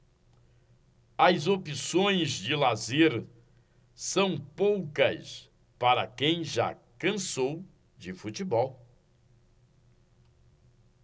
as opções de lazer são poucas para quem já cansou de futebol